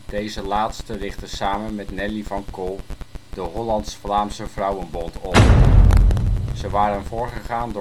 Deze laatste richtte samen met Nellie van Kol de Hollandsch-Vlaamsche Vrouwenbond op. Ze waren voorgegaan door